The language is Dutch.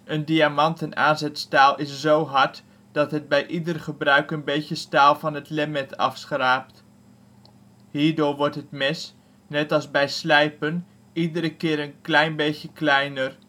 Een diamanten aanzetstaal is zo hard dat het bij ieder gebruik een beetje staal van het lemmet afschraapt. Hierdoor wordt het mes, net als bij slijpen, iedere keer een beetje kleiner